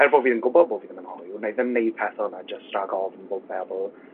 Er fo fi yn gwbo bo fi ddim yn yn hoyw wnai ddim neud peth 'wna jyst rhag ofn bo' bebl.